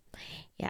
Ja.